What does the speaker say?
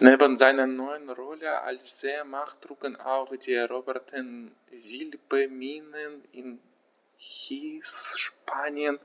Neben seiner neuen Rolle als Seemacht trugen auch die eroberten Silberminen in Hispanien